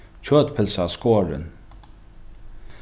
kjøtpylsa skorin